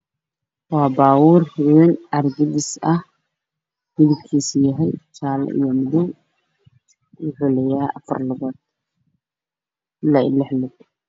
Waa baabuur meel arijabis ah midabkiisa waa madow wuxuu leeyahay ilaa iyo afar lugood iyo lix lugood